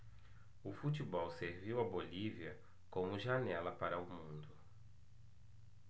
o futebol serviu à bolívia como janela para o mundo